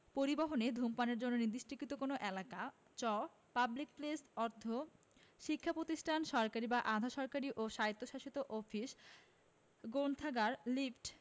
পরিবহণে ধূমপানের জন্য নির্দিষ্টকৃত কোন এলাকা চ পাবলিক প্লেস অর্থ শিক্ষা প্রতিষ্ঠান সরকারী আধা সরকারী ও স্বায়ত্তশাসিত অফিস গ্রন্থাগান লিফট